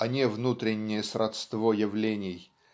а не внутреннее сродство явлений